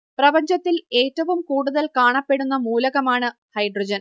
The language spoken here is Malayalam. പ്രപഞ്ചത്തിൽ ഏറ്റവും കൂടുതൽ കാണപ്പെടുന്ന മൂലകമാണ് ഹൈഡ്രജൻ